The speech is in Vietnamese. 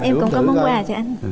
em cũng có món quà cho anh